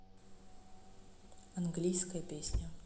английская песня